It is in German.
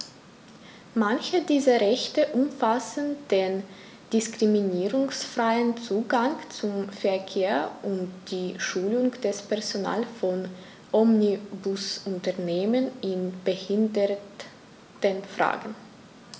Manche dieser Rechte umfassen den diskriminierungsfreien Zugang zum Verkehr und die Schulung des Personals von Omnibusunternehmen in Behindertenfragen.